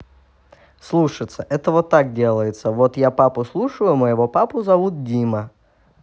слушаться это вот так делается вот я папу слушаю моего папу зовут дима